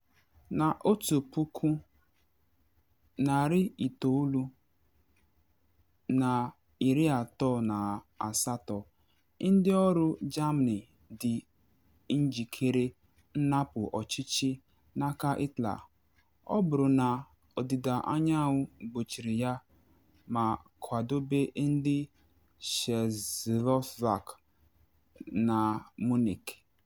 Na 1938, ndị ọrụ Germany dị njikere ịnapụ ọchịchị n’aka Hitler, ọ bụrụ na Ọdịda Anyanwụ gbochiri ya ma kwadobe ndị Czechoslovaks na Munich.